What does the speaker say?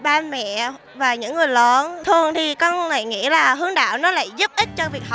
ba mẹ và những người lớn thường thì con lại nghĩ là hướng đạo nó lại giúp ích cho việc học